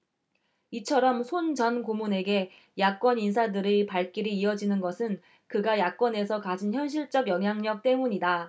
이처럼 손 전 고문에게 야권 인사들의 발길이 이어지는 것은 그가 야권에서 가진 현실적 영향력 때문이다